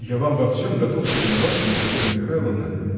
-- Я вам во всем готов повиноваться, Лизавета Михайловна